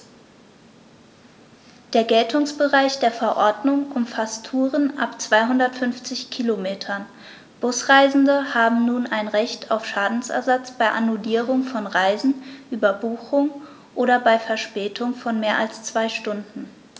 Der Geltungsbereich der Verordnung umfasst Touren ab 250 Kilometern, Busreisende haben nun ein Recht auf Schadensersatz bei Annullierung von Reisen, Überbuchung oder bei Verspätung von mehr als zwei Stunden.